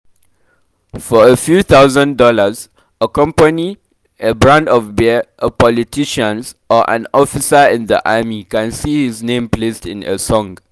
For a few thousand dollars, “a company, a brand of beer, a politicians, or an officer in the army” can see his name placed in a song.